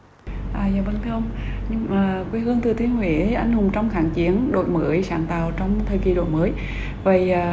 à dạ vâng thưa ông quê hương thừa thiên huế anh hùng trong kháng chiến đổi mới sáng tạo trong thời kỳ đổi mới vậy à